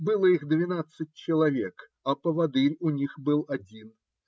было их двенадцать человек, а поводырь у них был один.